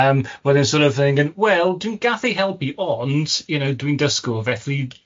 Yym, well they're sor' of thinking... Well, dwi'n gallu helpu, ond, you know, dwi'n dysgwr, felly